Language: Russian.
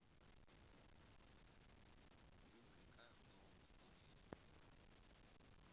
угрюм река в новом исполнении